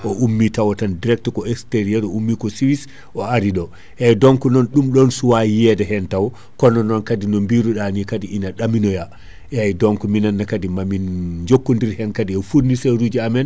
o ummi tawa tan direct extérieur o ummi ko Suisse o ari ɗo eyyi donc non ɗum ɗon suuwa yiyede hen taw kono non kaadi no biruɗani kaadi ina ɗaminoya eyyi donc minenne kaadi mamin jokkodir hen kaadi e fournisseur uji amen